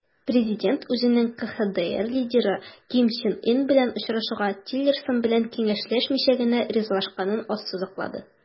Президент үзенең КХДР лидеры Ким Чен Ын белән очрашуга Тиллерсон белән киңәшләшмичә генә ризалашканын ассызыклады.